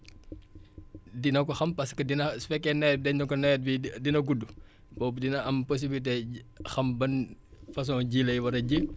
dina ko xam parce que dina su fekkee nawet dañ ne ko nawet bii dina gudd foofu dina am possibilité xam ban façon ji lay war a ji